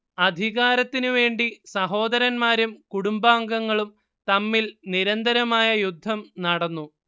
അധികാരത്തിനുവേണ്ടി സഹോദരന്മാരും കുടുംബാംഗങ്ങളും തമ്മിൽ നിരന്തരമായ യുദ്ധം നടന്നു